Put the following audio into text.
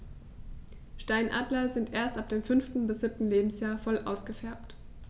Steinadler sind erst ab dem 5. bis 7. Lebensjahr voll ausgefärbt.